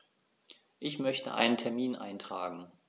Ich möchte einen Termin eintragen.